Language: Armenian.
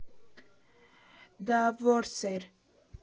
Դա որս էր։